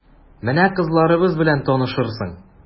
Менә кызларыбыз белән танышырсың...